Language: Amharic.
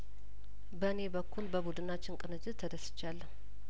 በእኔ በኩል በቡድናችን ቅንጅት ተደስቻለሁ